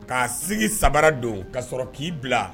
K'a sigi sabara don ka sɔrɔ k'i bila